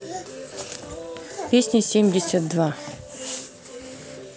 песня семьдесят два